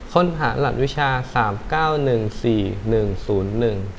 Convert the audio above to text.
ค้นหารหัสวิชาสามเก้าหนึ่งสี่หนึ่งศูนย์หนึ่ง